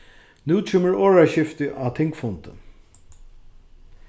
nú kemur orðaskifti á tingfundi